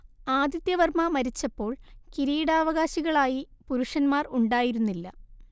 ആദിത്യവർമ്മ മരിച്ചപ്പോൾ കിരീടാവകാശികളായി പുരുഷന്മാർ ഉണ്ടായിരുന്നില്ല